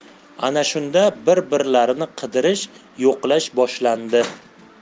ana shunda bir birlarini qidirish yo'qlash boshlandi